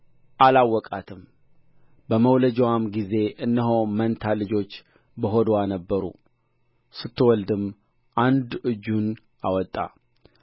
አላወቃትም በመውለጃዋም ጊዜ እነሆ መንታ ልጆች በሆድዋ ነበሩ ስትወልድም አንዱ እጁን አወጣ